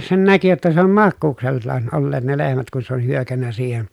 sen näki jotta se on makuuksellaan olleet ne lehmät kun se oli hyökännyt siihen